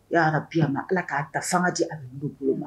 I y'a bi a ma ala k'a da fanga jɛ a bɛ dugu bulon ma